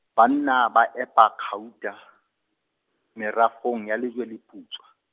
banna ba epa kgauta, merafong ya Lejweleputswa.